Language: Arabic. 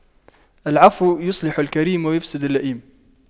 العفو يصلح الكريم ويفسد اللئيم